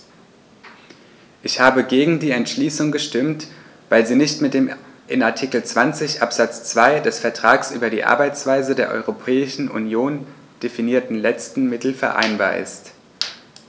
Ich habe gegen die Entschließung gestimmt, weil sie nicht mit dem in Artikel 20 Absatz 2 des Vertrags über die Arbeitsweise der Europäischen Union definierten letzten Mittel vereinbar ist.